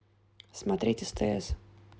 смотреть стс